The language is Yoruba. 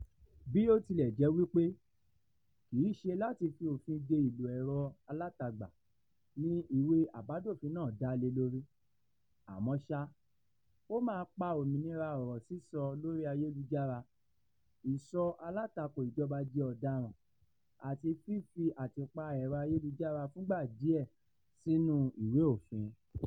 Bí-ó-ti-lẹ̀-jẹ́-wípé, kì í ṣe láti fi òfin de ìlò ẹ̀rọ alátagbà ni ìwé àbádòfin náà dá lé lórí, àmọ́ ṣá, ó máa pa òmìnira ọ̀rọ̀ sísọ lórí ayélujára, ìsọ alátakò ìjọba di ọ̀daràn àti fífi àtìpà ẹ̀rọ ayélujára fúngbà díẹ̀ sínú ìwé òfin.